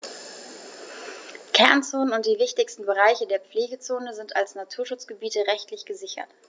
Kernzonen und die wichtigsten Bereiche der Pflegezone sind als Naturschutzgebiete rechtlich gesichert.